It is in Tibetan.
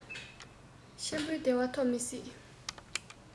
ཆེན པོའི བདེ བ ཐོབ མི སྲིད